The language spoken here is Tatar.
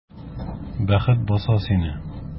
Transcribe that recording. Бәхет баса сине!